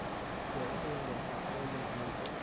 giảng viên đại học xây dựng mười tám